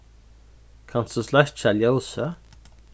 kanst tú sløkkja ljósið